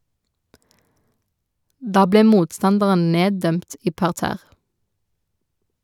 Da ble motstanderen neddømt i parterre.